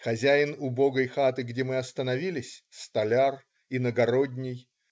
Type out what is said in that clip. Хозяин убогой хаты, где мы остановились,- столяр, иногородний.